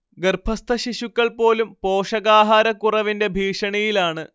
ഗർഭസ്ഥ ശിശുക്കൾ പോലും പോഷകാഹാരക്കുറവിന്റെ ഭീഷണിയിലാണ്